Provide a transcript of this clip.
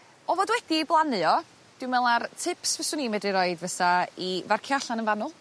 O fod wedi 'i blannu o dwi'n me'wl 'a'r tips fyswn i medru roid fysa i farcio allan yn fanwl